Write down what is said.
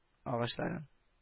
Агачларын